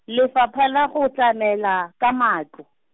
Lefapha la go Tlamela, ka Matlo.